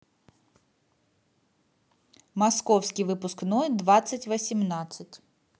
московский выпускной двадцать восемнадцать